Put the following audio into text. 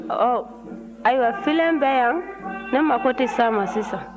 ɔhɔ ayiwa filen bɛ yan ne mago tɛ se a ma sisan